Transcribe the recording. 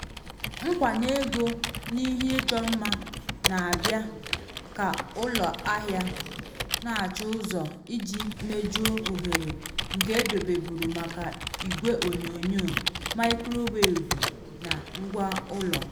Nkwanye ego n’ihe ịchọ mma na abịa ka ụlọ ahịa na achụ ụzọ iji mejuo oghere nke edobeburu maka Igwe onyonyoo, mikrowevụ na ngwa ụlọ.